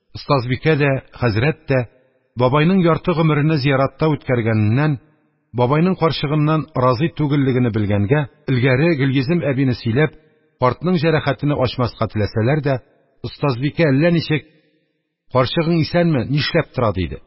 Остазбикә дә, хәзрәт тә, бабайның ярты гомерене зияратта үткәргәннән бабайның карчыгыннан разый түгеллегене белгәнгә, элгәре Гөлйөзем әбине сөйләп картның җәрәхәтене ачмаска теләсәләр дә, остазбикә әллә ничек: – Карчыгың исәнме? Нишләп тора? – диде.